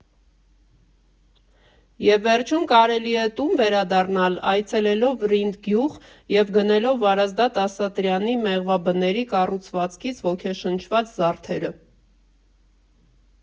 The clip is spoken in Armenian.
Եվ վերջում կարելի է տուն վերադառնալ՝ այցելելով Ռինդ գյուղ և գնելով Վարազդատ Ասատրյանի՝ մեղվաբների կառուցվածքից ոգեշնչված զարդերը։